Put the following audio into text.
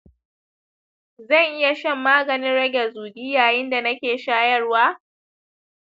zan iya shan maganin rage zugi yayin da nake shayarwa